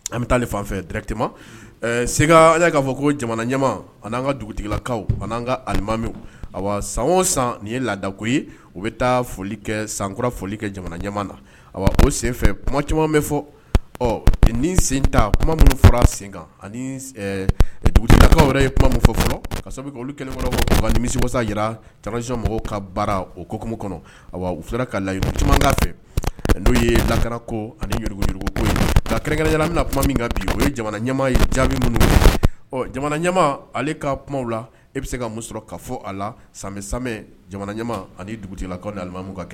An bɛ taa fan se y'a'a fɔ ko jamana ani'an ka dugutigilakaw ani' ka alimami san o san nin ye laadako ye u bɛ taa foli kɛ sankura foli kɛ jamana na a o senfɛ kuma caman bɛ fɔ senta minnu fara sen anikaw yɛrɛ ye kuma fɔ fɔlɔ a olu nimigosa jira mɔgɔw ka baara o kokumu kɔnɔ u ka layi caman fɛ n'o ye lakra ko aniugu kakɛjamina min bi o ye jamana ye jamu minnu jamana ale ka kuma la e bɛ se ka sɔrɔ ka fɔ a la san ɲa ani dugutigila nilimamu kɛ